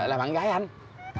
là bạn gái anh